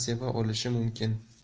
seva olishi mumkin